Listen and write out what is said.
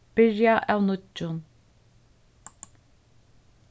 byrja av nýggjum